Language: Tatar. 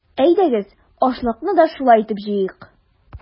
Әйдәгез, ашлыкны да шулай итеп җыйыйк!